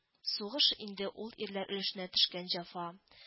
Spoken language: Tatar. Сугыш инде ул ирләр өлешенә төшкән җәфа